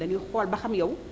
dañuy xool ba xam yow